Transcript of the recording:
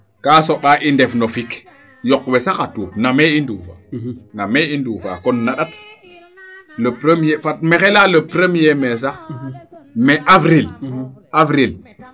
kaa soɓa i ndef no fik yoq we sax a tuup no mai i nduufa na mai i nduufa kon na ndat le premier maxey leya le premier mai sax mais avril avril